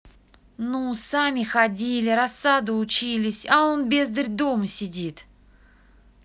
ну сами ходили рассаду учились а он бездарь дома сидит